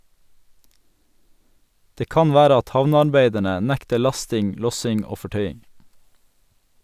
Det kan være at havnearbeiderne nekter lasting, lossing og fortøying.